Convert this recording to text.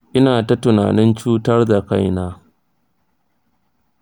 ina ta tunanin cutar da kaina.